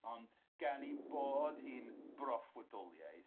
..ond gan'i bod hi'n broffwydoliaeth...